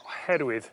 oherwydd